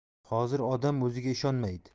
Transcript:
hozir odam o'ziga ishonmaydi